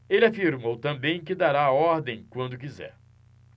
ele afirmou também que dará a ordem quando quiser